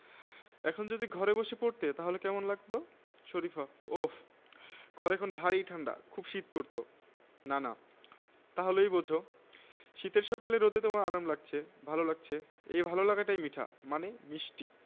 এর মধ্যে ফাইনালে খেলেছে ৬ জন মারিয়া মান্দা শামসুন্নাহার তহুরা খাতুন মার্জিয়া আক্তার নাজমা আক্তার ও মাহমুদা আক্তার কৃষি শিল্পকারখানা শিক্ষাপ্রতিষ্ঠান হাসপাতাল ঘাট বন্দর